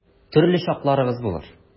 Төрле чакларыгыз булыр.